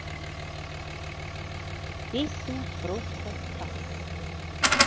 песня просто стас